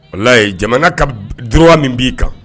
Walayi jamana ka dba min b'i kan